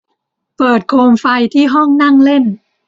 เปิดโคมไฟที่ห้องนั่งเล่น